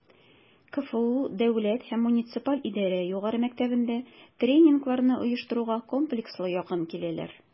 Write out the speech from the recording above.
КФУ Дәүләт һәм муниципаль идарә югары мәктәбендә тренингларны оештыруга комплекслы якын киләләр: